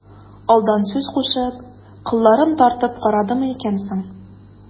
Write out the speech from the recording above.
Алдан сүз кушып, кылларын тартып карадымы икән соң...